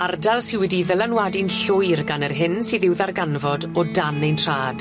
Ardal sy wedi'i ddylanwadu'n llwyr gan yr hyn sydd i'w ddarganfod o dan ein trad.